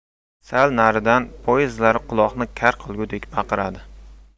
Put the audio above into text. sal naridan poyezdlar quloqni kar qilgudek baqiradi